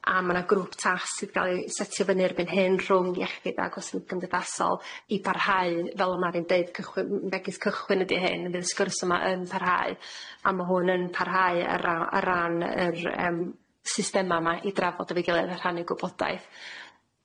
a ma' na grŵp tas sydd ga'l i setio fyny erbyn hyn rhwng iechyd a gwas- gymdeithasol i barhau fel o'dd Mari'n deud cy- m- megis cychwyn ydi hyn bydd y sgwrs yma yn parhau a ma' hwn yn parhau ar ra- ar ran yr yym systema 'ma i drafod efo'i gilydd ar rhannu gwybodaeth.